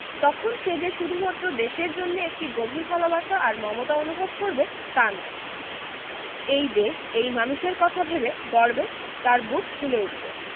তখন সে যে শুধুমাত্র দেশের জন্যে একটি গভীর ভালোবাসা আর মমতা অনুভব করবে তা নয় এই দেশ এই মানুষের কথা ভেবে গর্বে তার বুক ফুলে উঠবে